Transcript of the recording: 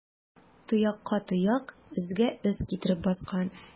Тоякка тояк, эзгә эз китереп баскан.